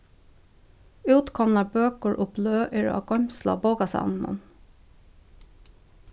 útkomnar bøkur og bløð eru á goymslu á bókasavninum